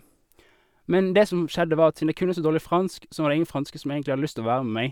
Men det som skjedde, var at siden jeg kunne så dårlig fransk, så var det ingen franske som egentlig hadde lyst å være med meg.